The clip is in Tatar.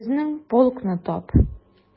Безнең полкны тап...